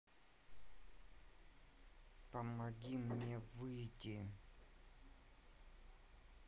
помоги мне выйти